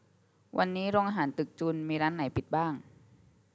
วันนี้โรงอาหารตึกจุลมีร้านไหนปิดบ้าง